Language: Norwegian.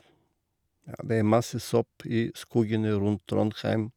Ja, det er masse sopp i skogene rundt Trondheim.